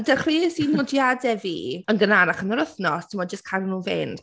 Dechreuais i nodiadau fi yn gynharach yn yr wythnos, timod, jyst cadw nhw fynd.